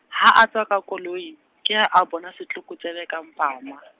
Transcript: ha a tswa ka koloing, ke ha a bona setlokotsebe ka mpama.